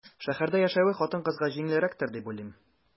Шәһәрдә яшәве хатын-кызга җиңелрәктер дип уйлыйм.